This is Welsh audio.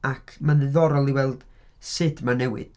Ac mae'n ddiddorol i weld sut mae'n newid.